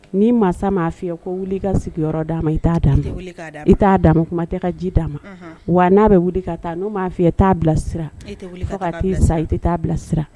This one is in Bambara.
Ni mansa m ma fiya ko wuli i ka sigiyɔrɔ d' ma i t' dan wuli i t'a d ma kuma tɛ ka ji d'a ma wa n'a bɛ wuli ka taa n'o m'a fiya t'a bilasira t'i sa i tɛ'a bilasira